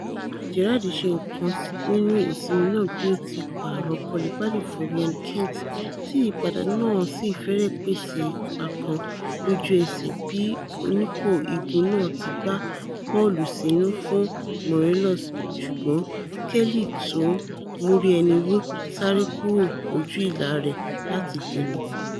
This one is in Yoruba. Gerrard ṣe nǹkan nínú ìsinmi náà bí ó ti pààrọ̀ Coulibaly fún Ryan Kent ti ìyípadà náà sì fẹ́rẹ̀ pèsè ipa kan lójú-ẹṣẹ̀ bí onípò-igun náà ti gbá bọ́ọ̀lù sínú fún Morelos ṣùgbọn Kelly tó móríẹni wú sáré kuro lójú ìlà rẹ̀ láti dènà.